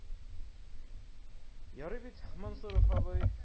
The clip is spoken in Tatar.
Ярый бит, Мансуров абый?